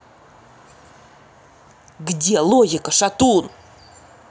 где логика шатун